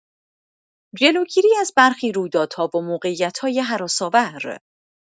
جلوگیری از برخی رویدادها و موقعیت‌های هراس‌آور